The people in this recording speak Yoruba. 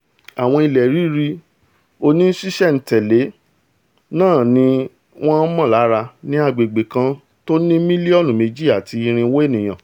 Àwọn ilẹ̀ rírì oní-ṣiṣẹ̀-ń-tẹ̀lé náà ní wọ́n mọ̀lára ní agbègbè̀ kan tóní mílíọ̀nù méjí àti irinwó ènìyàn.